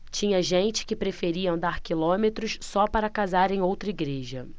tinha gente que preferia andar quilômetros só para casar em outra igreja